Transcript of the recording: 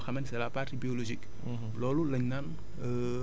nga am tamit beneen partie bu nga xamee ne c' est la partie biologique